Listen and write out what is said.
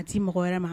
A tɛ mɔgɔ wɛrɛ ma